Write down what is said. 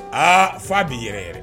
Aa faa b'i yɛrɛ yɛrɛ